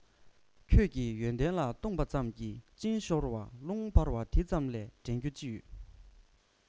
ཁྱོད ཀྱི ཡོན ཏན ལ བཏུངས པ ཙམ གྱིས གཅིན ཤོར བ རླུང འཕར བ དེ ཙམ གས དྲིན རྒྱུ ཅི ཡོད